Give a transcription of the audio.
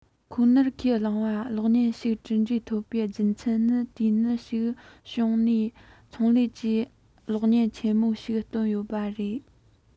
ཁོ ནར ཁས བླངས པ གློག བརྙན ཞིག གྲུབ འབྲས ཐོབ པའི རྒྱུ མཚན ནི དེ ནི ཞིག བྱུང ནས ཚོང ལས ཀྱི གློག བརྙན ཆེན མོ ཅིག བཏོན ཡོད པ རེད